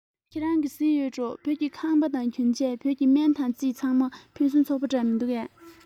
ཁྱེད རང གིས གཟིགས ཡོད འགྲོ བོད ཀྱི ཁང པ དང གྱོན ཆས བོད ཀྱི སྨན དང རྩིས ཚང མ ཕུན སུམ ཚོགས པོ འདྲས མི འདུག གས